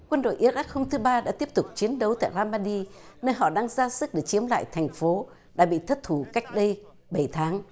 quân đội i rắc không thứ ba đã tiếp tục chiến đấu tại ra man đi nơi họ đang ra sức để chiếm lại thành phố đã bị thất thủ cách đây bảy tháng